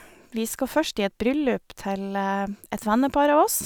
Vi skal først i et bryllup til et vennepar av oss.